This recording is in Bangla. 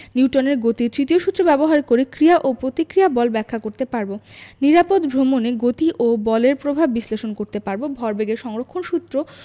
নিউটনের গতির তৃতীয় সূত্র ব্যবহার করে ক্রিয়া ও প্রতিক্রিয়া বল ব্যাখ্যা করতে পারব নিরাপদ ভ্রমণে গতি এবং বলের প্রভাব বিশ্লেষণ করতে পারব ভরবেগের সংরক্ষণ সূত্র